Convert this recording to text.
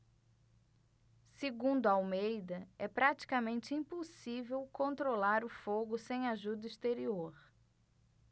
segundo almeida é praticamente impossível controlar o fogo sem ajuda exterior